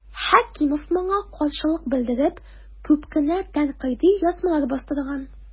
Хәкимов моңа каршылык белдереп күп кенә тәнкыйди язмалар бастырган.